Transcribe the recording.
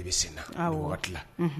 E de bɛ sen na nin wagati la, unhun.